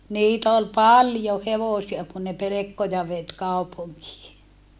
niitä oli paljon hevosia kun ne pelkkoja veti kaupunkiin